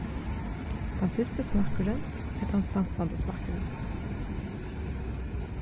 tann fyrsti smakkurin er tann sansandi smakkurin